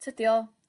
tydio